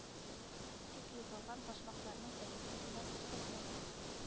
Тик югалган башмакларның бәясен генә күрсәтмәгәнсез